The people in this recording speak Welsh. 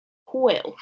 Hwyl.